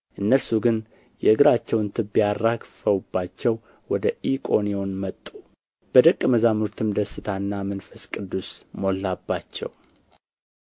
እነርሱ ግን የእግራቸውን ትቢያ አራግፈውባቸው ወደ ኢቆንዮን መጡ በደቀ መዛሙርትም ደስታና መንፈስ ቅዱስ ሞላባቸው